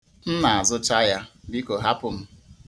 M na-azụcha ya, biko hapụ m.